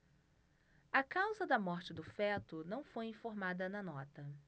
a causa da morte do feto não foi informada na nota